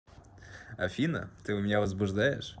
афина ты меня возбуждаешь